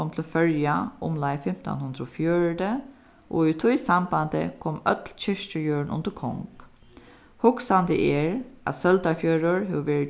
kom til føroya umleið fimtan hundrað og fjøruti og í tí sambandi kom øll kirkjujørðin undir kong hugsandi er at søldarfjørður hevur verið